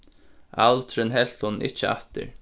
aldurin helt honum ikki aftur